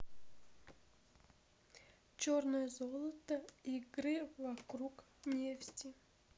черное золото игры вокруг нефти